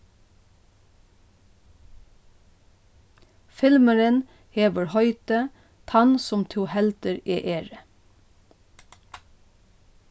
filmurin hevur heitið tann sum tú heldur eg eri